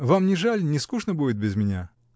Вам не жаль, не скучно будет без меня?